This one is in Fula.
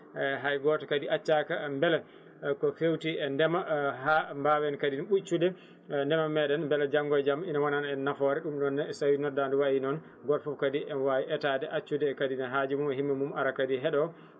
e haygotokadi accaka beele ko fewti e ndeema ha mbawen kadi ɓuccude ndeema meɗen beele janggo e jaam ina wonana en nafoore ɗum noonne so tawi noddaɗo wayi noon goor foof kadi ene wawi etade accude kadi ne haaju mum e himmu mum ara kadi heeɗo